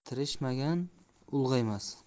tirishmagan ulg'aymas